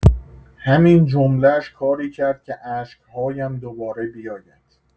همین جمله‌اش کاری کرد که اشک‌هایم دوباره بیاید.